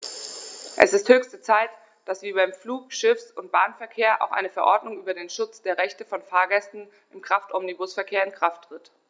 Es ist höchste Zeit, dass wie beim Flug-, Schiffs- und Bahnverkehr auch eine Verordnung über den Schutz der Rechte von Fahrgästen im Kraftomnibusverkehr in Kraft tritt.